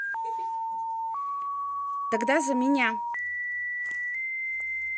тогда за меня